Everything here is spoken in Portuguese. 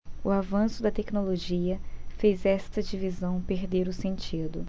o avanço da tecnologia fez esta divisão perder o sentido